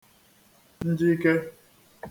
njikē